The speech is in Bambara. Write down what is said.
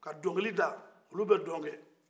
ka donkili da olu bɛ donkɛ